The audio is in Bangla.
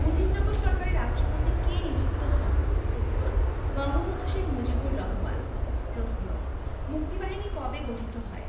মুজিবনগর সরকারের রাষ্ট্রপতি কে নিযুক্ত হন উত্তর বঙ্গবন্ধু শেখ মুজিবুর রহমান প্রশ্ন মুক্তিবাহিনী কবে গঠিত হয়